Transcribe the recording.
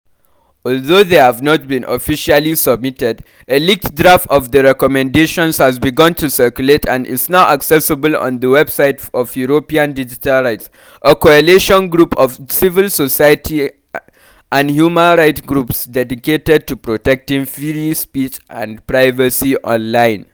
Although they have not been officially submitted, a leaked draft of the recommendations has begun to circulate and is now accessible on the website of European Digital Rights, a coalition group of civil society and human rights groups dedicated to protecting free speech and privacy online.